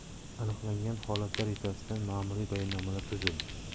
aniqlangan holatlar yuzasidan ma'muriy bayonnomalar tuzildi